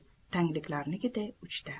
tangliklarnikiday uchta